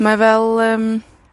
Mae fel yym,